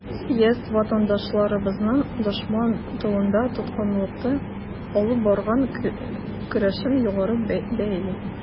Съезд ватандашларыбызның дошман тылында, тоткынлыкта алып барган көрәшен югары бәяли.